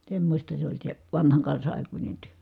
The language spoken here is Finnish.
semmoista se oli se vanhan kansan aikuinen työ